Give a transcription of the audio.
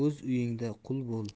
o'z uyingda qui bo'l